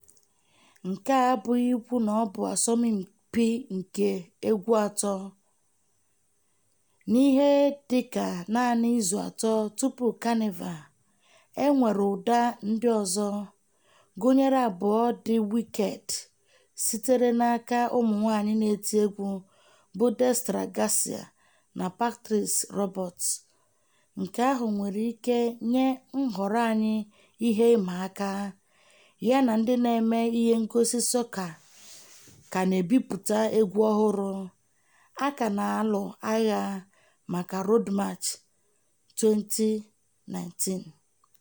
Nke a abụghị ikwu na ọ bụ asọmpị nke egwu atọ. N'ihe dị ka naanị izu atọ tupu Kanịva, e nwere ụda ndị ọzọ — gụnyere abụọ dị wikeedị sitere n'aka ụmụ nwaanyị na-eti egwu bụ Destra Garcia na Patrice Roberts — nke ahụ nwere ike nye nhọrọ anyị ihe ịma aka, yana ndị na-eme ihe ngosi sọka ka na-ebipụta egwu ọhụrụ, a ka na-alụ agha maka Road March 2019.